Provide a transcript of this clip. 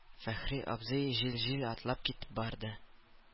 Фәхри абзый җил-җил атлап китеп барды.